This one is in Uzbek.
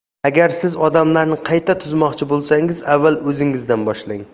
agar siz odamlarni qayta tuzmoqchi bo'lsangiz avval o'zingizdan boshlang